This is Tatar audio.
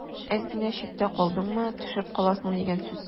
Әз генә читтә калдыңмы – төшеп каласың дигән сүз.